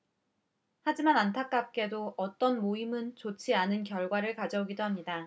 하지만 안타깝게도 어떤 모임은 좋지 않은 결과를 가져오기도 합니다